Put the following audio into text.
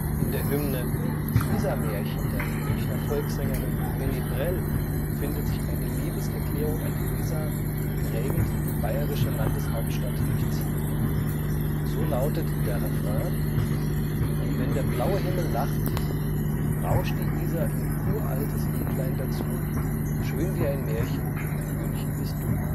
In der Hymne „ Isarmärchen “der Münchner Volkssängerin Bally Prell findet sich eine Liebeserklärung an die Isar, die prägend die bayerische Landeshauptstadt durchzieht. So lautet der Refrain: „… und wenn der blaue Himmel lacht … rauscht die Isar ihr uraltes Liedlein dazu, schön wie ein Märchen, mein München bist Du